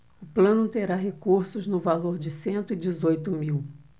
o plano terá recursos no valor de cento e dezoito mil